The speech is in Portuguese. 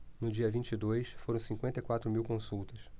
no dia vinte e dois foram cinquenta e quatro mil consultas